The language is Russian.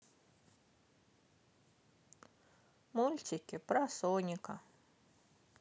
мультики про соника